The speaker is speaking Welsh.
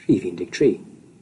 Rhif un deg tri.